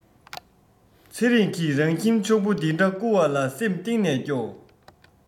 ཚེ རིང གི རང ཁྱིམ ཕྱུག པོ འདི འདྲ བསྐུར བ ལ སེམས གཏིང ནས སྐྱོ